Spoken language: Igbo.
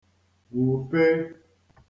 gwùpe